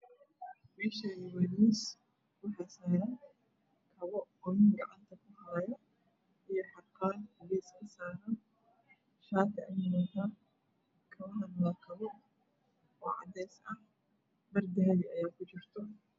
Meeshaani waa miis waxaa saaran kabo oo nin gacanta ku haayo